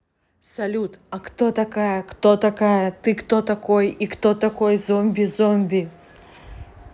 салют а кто такая кто такая ты кто такой и кто такой zombie zombie